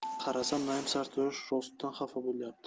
qarasam naim sartarosh rostdan xafa bo'lyapti